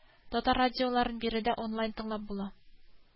Татар радиоларын биредә онлайн тыңлап була